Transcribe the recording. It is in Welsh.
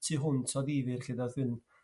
tu hwnt o ddifyr 'lly ac yn